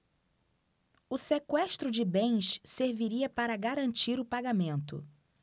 o sequestro de bens serviria para garantir o pagamento